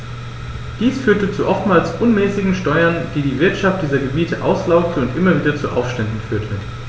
Dies führte zu oftmals unmäßigen Steuern, die die Wirtschaft dieser Gebiete auslaugte und immer wieder zu Aufständen führte.